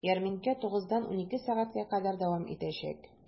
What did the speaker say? Ярминкә 9 дан 12 сәгатькә кадәр дәвам итәчәк.